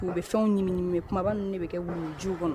U be fɛnw ɲimi ɲimi ne. Kumaba nunu de bɛ kɛ wuluwulujiw kɔnɔ